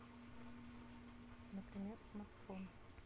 например смартфон